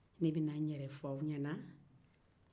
ne bɛ na n yɛrɛ fɔ aw ɲɛ na